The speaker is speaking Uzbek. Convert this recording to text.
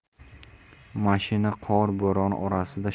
mashina qor bo'roni orasida